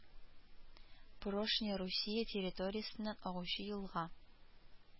Пырошня Русия территориясеннән агучы елга